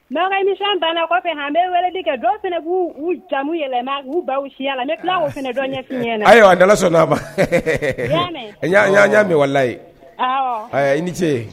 Baganmi banna kɔfɛ an bɛ waledi kɛ dɔ b'u uu jamu yɛlɛ'u baw si ni ɲɛ ɲɛna ayiwa a dala sɔnnaa y'a ɲaa mɛnwalela ye ayiwa i ni ce